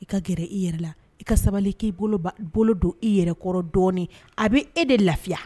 I ka gɛrɛ i yɛrɛ la i ka sabali k'i bolo bolo don i yɛrɛkɔrɔ dɔɔnin a b bɛ e de lafiya